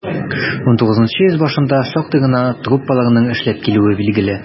XIX йөз башында шактый гына труппаларның эшләп килүе билгеле.